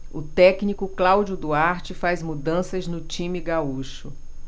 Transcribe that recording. o técnico cláudio duarte fez mudanças no time gaúcho